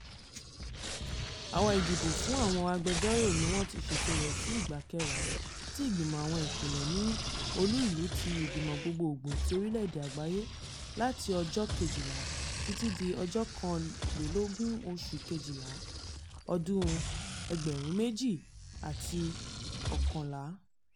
Àwọn ìdìbò fún àwọn agbẹjọ́rò ni wọ́n ti ṣètò rẹ sí ìgbà kẹwàá ti Ìgbìmọ̀ àwọn Ìpínlẹ̀ ní Olú-ìlú ti Ìgbìmọ̀ Gbogbogbò ti Orílè-èdè Àgbáyé láti 12 títí di 21oṣù Kejìlá, ọdún 2011.